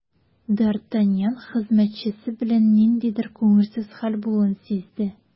Д’Артаньян хезмәтчесе белән ниндидер күңелсез хәл булуын сизде.